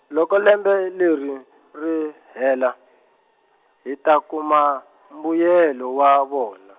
loko lembe leri , ri hela , hi ta kuma, mbuyelo wa vona.